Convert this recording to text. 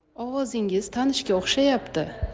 ovozingiz tanishga o'xshayapti